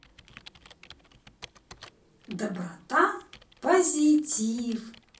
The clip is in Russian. доброта позитив